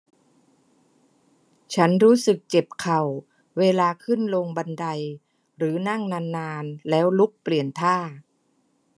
ฉันรู้สึกเจ็บเข่าเวลาขึ้นลงบันไดหรือนั่งนานนานแล้วลุกเปลี่ยนท่า